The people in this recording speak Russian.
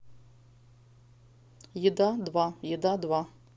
еда два еда два